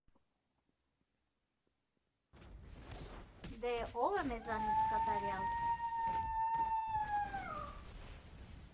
Դե՛, ո՞վ է մեզնից կատարյալ։